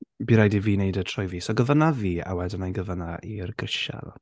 Bydd rhaid i fi wneud e trwy fi, so gofynna fi, a wedyn wna i gofynna i'r grisial.